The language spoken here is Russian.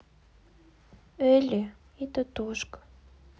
элли и тотошка